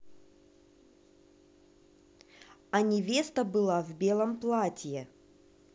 а невеста была в белом платье